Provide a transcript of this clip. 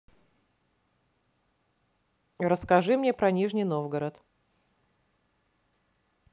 расскажи мне про нижний новгород